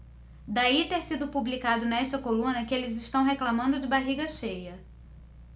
daí ter sido publicado nesta coluna que eles reclamando de barriga cheia